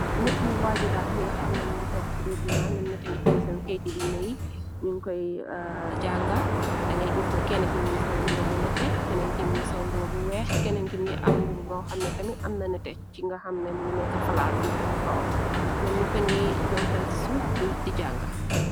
Nyetti yi waajubaax yi nga xamna ñu ngi toog ci biir juma ñam ñet ngi te seen keyti diina yi ñuñ koy jànga da ngay gis ne kenn kim ngi solmbuo bu nette keneen kim ngi solumboo bu weex kenen kim ngi am bubu baw xamna tami amna nete ci nga xamna ngi neka falaar bum tep cikaw ñaom ñëpp ngi jonkoon ci suuf di jànga.